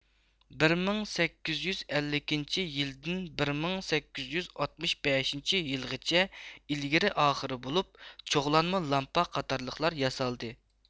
بىر مىڭ سەككىز يۈز ئەللىكىنچى يىلدىن بىر مىڭ سەككىز يۈز ئاتمىش بەشىنچى يىلغىچە ئىلگىرى ئاخىر بولۇپ چوغلانما لامپا قاتارلىقلار ياسالدى